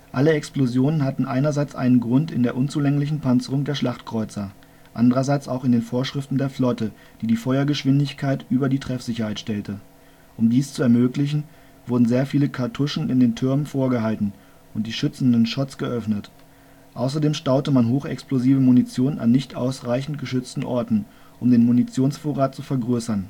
Alle Explosionen hatten einerseits einen Grund in der unzulänglichen Panzerung der Schlachtkreuzer, andererseits auch in den Vorschriften der Flotte, die die Feuergeschwindigkeit über die Treffsicherheit stellte. Um dies zu ermöglichen, wurden sehr viele Kartuschen in den Türmen vorgehalten und die schützenden Schotts geöffnet. Außerdem staute man hochexplosive Munition an nicht ausreichend geschützten Orten, um den Munitionsvorrat zu vergrößern